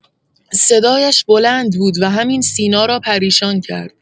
صدایش بلند بود و همین سینا را پریشان کرد.